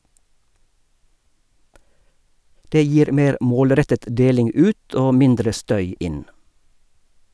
Det gir mer målrettet deling ut, og mindre støy inn.